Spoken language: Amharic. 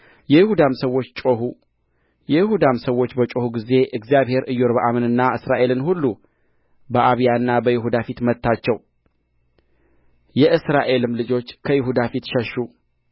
የይሁዳም ሰዎች ጮኹ የይሁዳም ሰዎች በጮኹ ጊዜ እግዚአብሔር ኢዮርብዓምንና እስራኤልን ሁሉ በአብያና በይሁዳ ፊት መታቸው የእስራኤልም ልጆች ከይሁዳ ፊት ሸሹ